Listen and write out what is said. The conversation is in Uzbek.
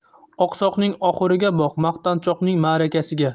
oqsoqning oxiriga boq maqtanchoqning ma'rakasiga